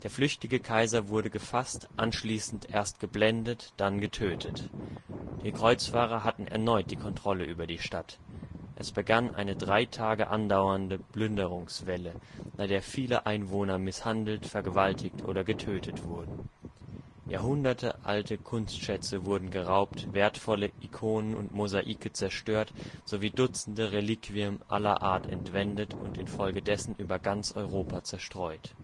flüchtige Kaiser wurde gefasst, anschließend erst geblendet, dann getötet. Die Kreuzfahrer hatten erneut die Kontrolle über die Stadt. Es begann eine drei Tage andauernde Plünderungswelle, bei der viele Einwohner misshandelt, vergewaltigt oder getötet wurden. Jahrhunderte alte Kunstschätze wurden geraubt, wertvolle Ikonen und Mosaike zerstört sowie dutzende Reliquien aller Art entwendet und in Folge dessen über ganz Europa zerstreut